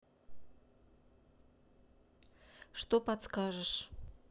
что подскажешь